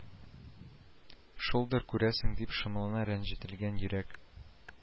Шулдыр, күрәсең, дип шомлана рәнҗетелгән йөрәк